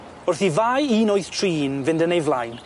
Wrth i Fai un wyth tri un fynd yn ei flaen